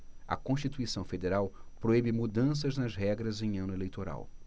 a constituição federal proíbe mudanças nas regras em ano eleitoral